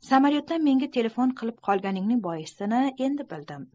samolyotdan menga telefon qilib qolganing boisini endi bildim